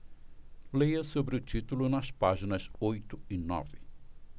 leia sobre o título nas páginas oito e nove